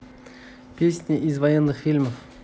песни из военных фильмов